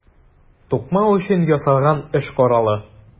Тукмау өчен ясалган эш коралы.